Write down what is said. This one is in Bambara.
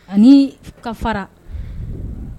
Ani ka fara